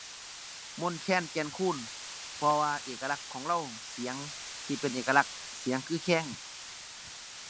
มนต์แคน แก่นคูน เพราะว่าเอกลักษณ์ของเลา เสียงที่เป็นเอกลักษณ์ เสียงคือแคน